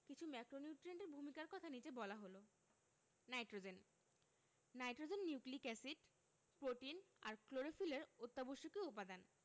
কিছু ম্যাক্রোনিউট্রিয়েন্টের ভূমিকার কথা নিচে বলা হল nitrogen nitrogen nucleic acid protein আর ক্লোরোফিলের অত্যাবশ্যকীয় উপাদান